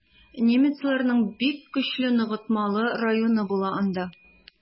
Немецларның бик көчле ныгытмалы районы була анда.